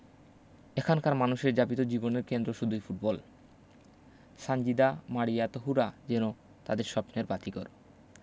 এখানকার মানুষের যাপিত জীবনের কেন্দ্র শুদুই ফুটবল সানজিদা মারিয়া তহুরা যেন তাদের স্বপ্নের বাতিগর